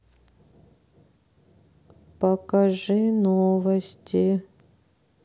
покажите новости